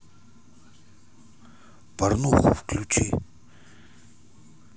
порнуху включи